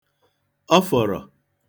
ọfọ̀rọ̀